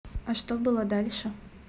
а что было дальше